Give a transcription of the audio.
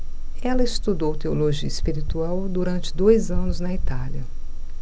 ela estudou teologia espiritual durante dois anos na itália